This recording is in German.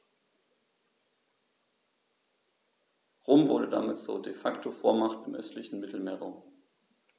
Rom wurde damit zur ‚De-Facto-Vormacht‘ im östlichen Mittelmeerraum.